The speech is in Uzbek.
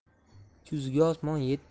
kuzgi osmon yetti